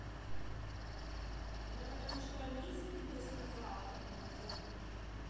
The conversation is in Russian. это потому что алиса тебе сказала как меня зовут